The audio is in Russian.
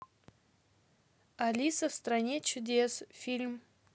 алиса в стране чудес фильм